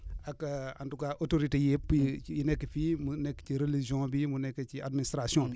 ak en tout cas autorités yëpp yi nekk fii mu nekk ci religion bi mu nekk ci administration bi